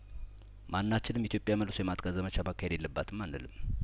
ማናችንም ኢትዮጵያ መልሶ የማጥቃት ዘመቻ ማካሄድ የለባትም አንልም